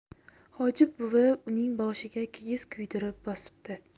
hoji buvi uning boshiga kigiz kuydirib bosibdi